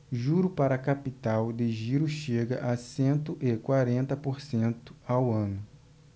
juro para capital de giro chega a cento e quarenta por cento ao ano